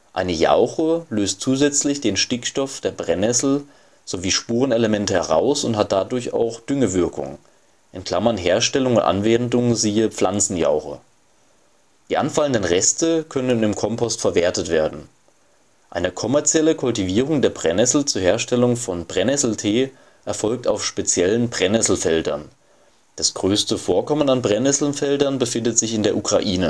Eine Jauche löst zusätzlich den Stickstoff der Brennnessel sowie Spurenelemente heraus und hat dadurch auch Düngewirkung (Herstellung und Anwendung siehe Pflanzenjauche). Die anfallenden Reste können im Kompost verwertet werden. Eine kommerzielle Kultivierung der Brennnessel zur Herstellung von Brennnesseltee erfolgt auf speziellen Brennnesselfeldern. Das größte Vorkommen an Brennnesselfeldern befindet sich in der